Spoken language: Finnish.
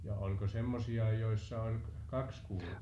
ja oliko semmoisiakin joissa oli kaksi kuurtoa